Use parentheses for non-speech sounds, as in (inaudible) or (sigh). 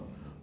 (hesitation) (hesitation)